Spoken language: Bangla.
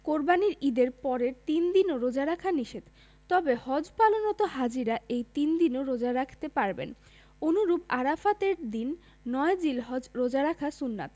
কোরবানির ঈদের পরের তিন দিনও রোজা রাখা নিষেধ তবে হজ পালনরত হাজিরা এই তিন দিনও রোজা রাখতে পারবেন অনুরূপ আরাফাতের দিন ৯ জিলহজ রোজা রাখা সুন্নাত